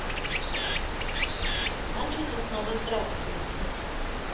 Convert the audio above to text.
а че ты снова здравствуйте